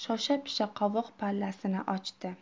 shosha pisha qovoq pallasini ochdi